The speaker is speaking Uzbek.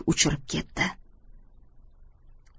uchirib ketdi